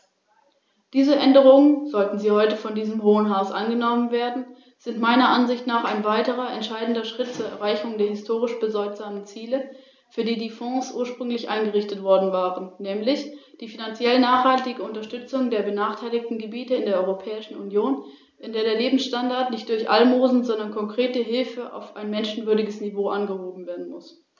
Angesichts der jüngsten Naturkatastrophen möchte ich doch noch auf die Verwendung der Strukturfondsmittel eingehen.